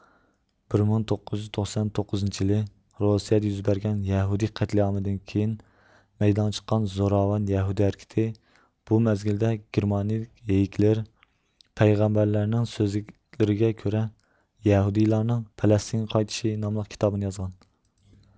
بىر مىڭ توققۇز يۈز توقسان توققۇزىنچى يىلى روسىيەدە يۈز بەرگەن يەھۇدىي قەتلىئامىدىن كېيىن مەيدانغا چىققان زوراۋان يەھۇدىي ھەرىكىتى بۇ مەزگىلدە گىرمانىيلىك ھېيكلېر پەيغەمبەرلەرنىڭ سۆزلىرىگە كۆرە يەھۇدىيلارنىڭ پەلەستىنگە قايتىشى ناملىق كىتابىنى يازغان